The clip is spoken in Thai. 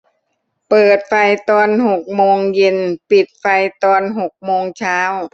เปิดไฟตอนหกโมงเย็นปิดไฟตอนหกโมงเช้า